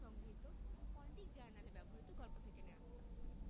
সংগৃহীত ফনেটিক জার্নালে ব্যবহিত গল্প থেকে নেয়া